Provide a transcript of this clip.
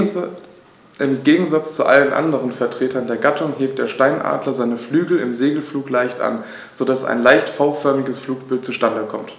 Im Gegensatz zu allen anderen Vertretern der Gattung hebt der Steinadler seine Flügel im Segelflug leicht an, so dass ein leicht V-förmiges Flugbild zustande kommt.